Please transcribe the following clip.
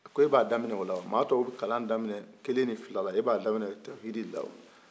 a ko e ba daminɛ o la wa maa tɔw bi kalan daminɛ kelen ni filaw e b'a daminɛ tafisiri de la wa